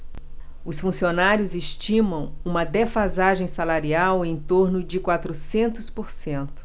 os funcionários estimam uma defasagem salarial em torno de quatrocentos por cento